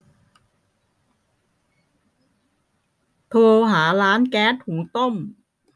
โทรหาร้านแก๊สหุงต้ม